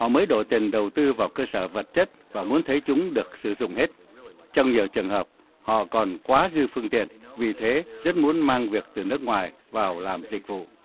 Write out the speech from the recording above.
họ mới đổ tiền đầu tư vào cơ sở vật chất và muốn thấy chúng được sử dụng hết trong nhiều trường hợp họ còn quá dư phương tiện vì thế rất muốn mang việc từ nước ngoài vào làm dịch vụ